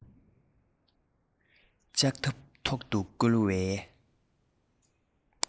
ལྕགས ཐབ ཐོག ཏུ བསྐོལ བའི